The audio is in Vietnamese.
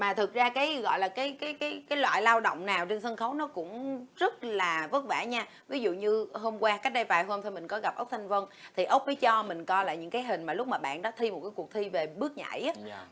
mà thực ra cái gọi là cấy cấy cấy cái loại lao động nào trên sân khấu nó cũng rất là vất vả nha ví dụ như hôm qua cách đây vài hôm thôi mình có gặp ốc thanh vân thì ốc mới cho mình coi lại những cái hình mà lúc mà bạn đã theo đuổi cuộc thi về bước nhảy